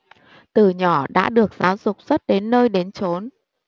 từ nhỏ đã được giáo dục rất đến nơi đến chốn